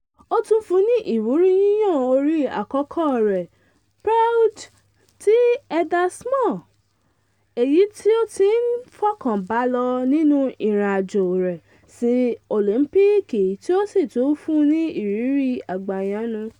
‘’O tún fún ní ìwúrí yíyan orin àkọ́kọ́ rẹ̀ - Proud by Heather Small - èyí tí ó tí ń fọkà bá lọ nínú ìrìnàjò rẹ̀ sí Òlìńpìkì tí ó sì tún fún ní ìrírí àgbàyanu.